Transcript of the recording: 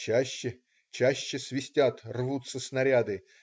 Чаще, чаще свистят, рвутся снаряды.